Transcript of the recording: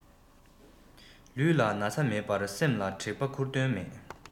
ལུས ལ ན ཚ མེད པར སེམས ལ དྲེག པ ཁུར དོན མེད